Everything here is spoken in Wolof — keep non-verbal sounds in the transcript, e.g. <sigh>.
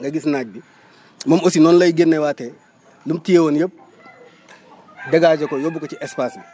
nga gis naaj bi <smacks lips> moom aussi noonu lay géneewaatee lu mu téye woon yëpp <noise> dégager ko yóbbu ko ci espace bi